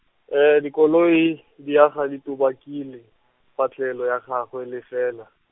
dikoloi, di aga di tubakile, patlelo ya gagwe lefela.